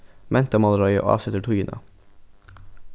mentamálaráðið ásetir tíðina